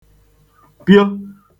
pio